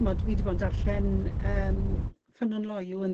Ch'mod, wi 'di bod yn darllen yym Ffynnon Loyw yn